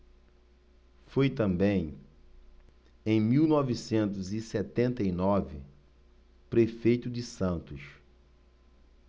foi também em mil novecentos e setenta e nove prefeito de santos